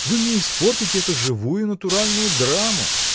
— Вы мне испортите эту живую натуральную драму.